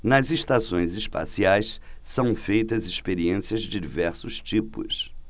nas estações espaciais são feitas experiências de diversos tipos